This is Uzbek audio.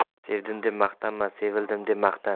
sevdim deb maqtanma sevildim deb maqtan